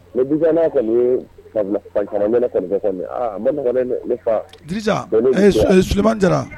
Ne n'a ne ma ne fa suba jara